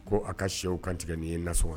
Ko a ka sew kantigɛ n' ye nasɔ wa